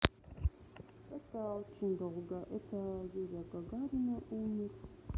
это очень долго это юрия гагарина умер